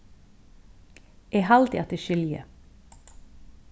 eg haldi at eg skilji